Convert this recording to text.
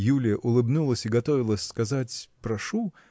Юлия улыбнулась и готовилась сказать: Прошу!